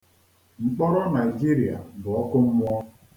Mkpọrọ Naịjirịa bụ ọkụ mmụọ.